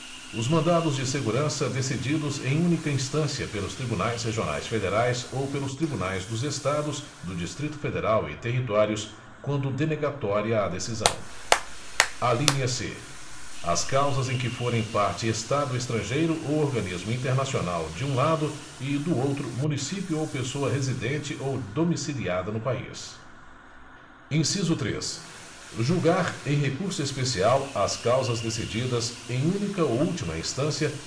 os mandados de segurança decididos em única instância pelos tribunais regionais federais ou pelos tribunais dos estados do distrito federal e territórios quando denegatória a decisão alínea c as causas em que forem partes estado estrangeiro ou organismo internacional de um lado e do outro município ou pessoa residente ou domiciliada no país inciso três julgar em recurso especial as causas decididas em única ou última instância